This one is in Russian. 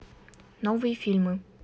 новые фильмы